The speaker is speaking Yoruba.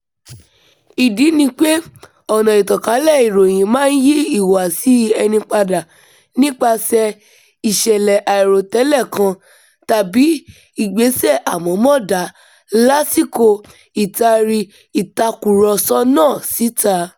Ìdí ni pé ọ̀nà ìtànkálẹ̀ ìròyìn "máa ń yí ìhùwàsí ẹni padà" nípasẹ̀ "ìṣẹ̀lẹ̀ àìròtẹ́lẹ̀ kan tàbí ìgbésẹ̀ àmọ̀ọ́mọ̀ dá lásìkò ìtari ìtàkùrọ̀sọ [náà] síta".